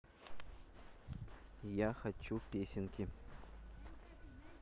я хочу песенки